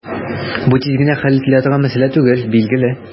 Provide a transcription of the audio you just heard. Бу тиз генә хәл ителә торган мәсьәлә түгел, билгеле.